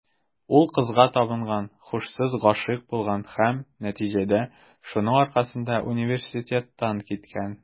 Ул кызга табынган, һушсыз гашыйк булган һәм, нәтиҗәдә, шуның аркасында университеттан киткән.